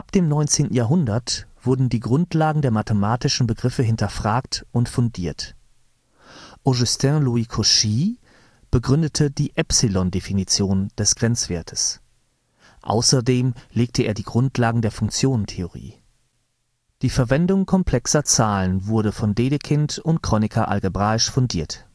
dem 19. Jahrhundert wurden die Grundlagen der mathematischen Begriffe hinterfragt und fundiert. Augustin Louis Cauchy begründete die ϵ {\ displaystyle \ epsilon} - Definition des Grenzwertes. Außerdem legte er die Grundlagen der Funktionentheorie. Die Verwendung komplexer Zahlen wurde von Dedekind und Kronecker algebraisch fundiert